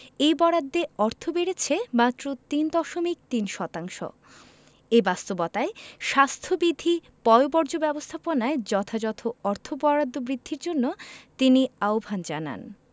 এই বরাদ্দে অর্থ বেড়েছে মাত্র তিন দশমিক তিন শতাংশ এ বাস্তবতায় স্বাস্থ্যবিধি পয়ঃবর্জ্য ব্যবস্থাপনায় যথাযথ অর্থ বরাদ্দ বৃদ্ধির জন্য তিনি আহ্বান জানান